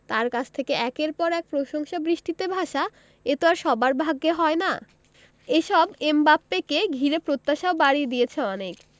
তাঁর কাছ থেকে একের পর এক প্রশংসাবৃষ্টিতে ভাসা এ তো আর সবার ভাগ্যে হয় না এসব এমবাপ্পেকে ঘিরে প্রত্যাশাও বাড়িয়ে দিয়েছে অনেক